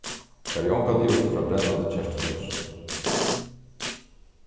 farið ongantíð út frá brennandi kertuljósum